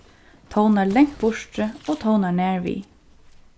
tónar langt burturi og tónar nær við